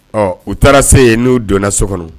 Ɔ u taara se yen nu donna so kɔnɔ